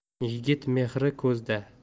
yigit mehri ko'zda